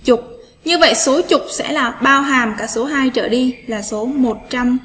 chụp như vậy số trục sẽ là bao hàm cả số trở đi là số